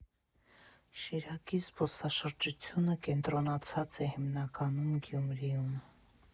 Շիրակի զբոսաշրջությունը կենտրոնացած է հիմնականում Գյումրիում։